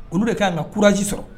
Olu de ka kanan ka kurauranji sɔrɔ